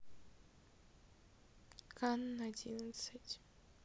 кан одиннадцать